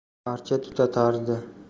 archa tutatardi